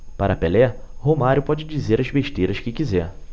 para pelé romário pode dizer as besteiras que quiser